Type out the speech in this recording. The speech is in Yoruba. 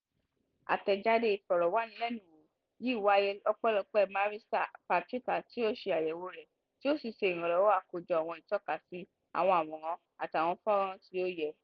Àtẹ̀jáde ìfọ̀rọ̀wánilẹ́nuwò yìí wáyé ọpẹ́lọpẹ́ Marisa Petricca, tí ó ṣe àyẹ̀wò rẹ̀, tí ó sì ṣe ìrànlọ́wọ́ àkójọ àwọn ìtọ́kasí, àwọn àwòrán àti a fọ́nràn tí ó yẹ.